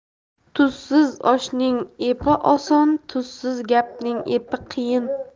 tuzsiz oshning epi oson tuzsiz gapning epi qiyin